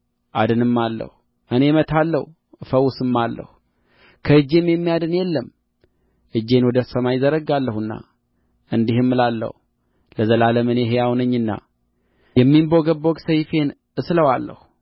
አድንማለሁ እኔ እመታለሁ እፈውስማለሁ ከእጄም የሚያድን የለም እጄን ወደ ሰማይ እዘረጋለሁና እንዲህም እላለሁ ለዘላለም እኔ ሕያው ነኝና የሚንቦገቦግ ሰይፌን እስለዋለሁ